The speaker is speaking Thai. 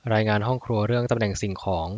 รายงานห้องครัวเรื่องตำแหน่งสิ่งของ